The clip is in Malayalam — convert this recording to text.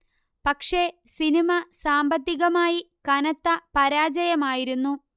പക്ഷേ സിനിമ സാമ്പത്തികമായി കനത്ത പരാജയമായിരുന്നു